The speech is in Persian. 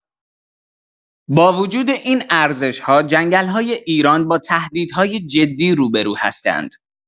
با وجود این ارزش‌ها، جنگل‌های ایران با تهدیدهای جدی روبه‌رو هستند.